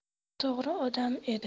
to'g'ri odam edi